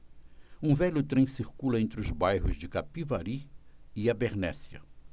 um velho trem circula entre os bairros de capivari e abernéssia